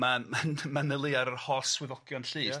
Ma'n ma'n manylu ar yr holl swyddogion llys. Ia.